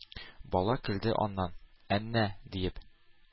Бала көлде, аннан: «Әннә!» — диеп,